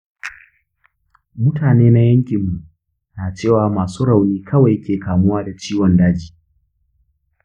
mutane a yankinmu na cewa masu rauni kawai ke kamuwa da ciwon daji.